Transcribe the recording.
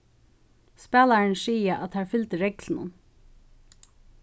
spælararnir siga at teir fylgdu reglunum